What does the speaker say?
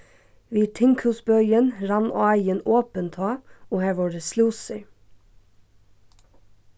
við tinghúsbøin rann áin opin tá og har vóru slúsur